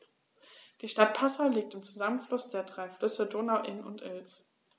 Die Stadt Passau liegt am Zusammenfluss der drei Flüsse Donau, Inn und Ilz.